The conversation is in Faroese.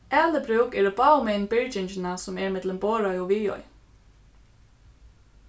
alibrúk eru báðumegin byrgingina sum er millum borðoy og viðoy